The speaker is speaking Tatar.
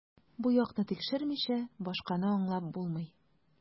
Бу якны тикшермичә, башканы аңлап булмый.